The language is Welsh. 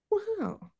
Wow.